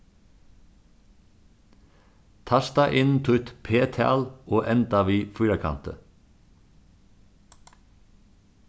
tasta inn títt p-tal og enda við fýrakanti